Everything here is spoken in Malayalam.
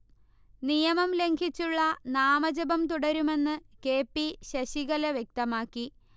നിയമം ലംഘിച്ചുള്ള നാമജപം തുടരുമെന്ന് കെ. പി. ശശികല വ്യക്തമാക്കി